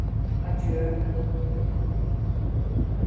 adjø